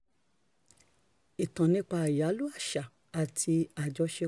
Ìtàn nípa àyálò àṣà àti àjọṣepọ̀